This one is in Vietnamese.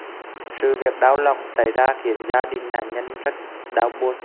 sự việc đau lòng xảy ra khiến gia đình nạn nhân rất đau buồn